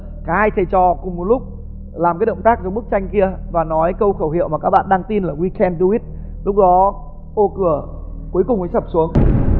cả hai thầy trò cùng một lúc làm cái động tác giống bức tranh kia và nói câu khẩu hiệu mà các bạn đang tin là guy khen đu ít lúc đó ô cửa cuối cùng mới sập xuống